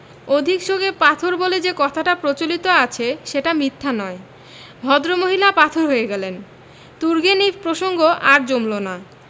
অধিক শোকে পাথর বলে যে কথাটা প্রচলিত আছে সেটা মিথ্যা নয় ভদ্র মহিলা পাথর হয়ে গেলেন তুর্গেনিভ প্রসঙ্গ আর জমল না